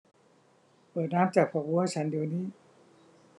เปิดน้ำจากฝักบัวให้ฉันเดี๋ยวนี้